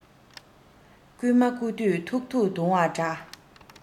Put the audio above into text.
རྐུན མ རྐུ དུས ཐུག ཐུག རྡུང བ འདྲ